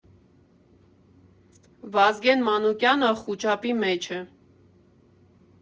Վազգեն Մանուկյանը խուճապի մեջ է։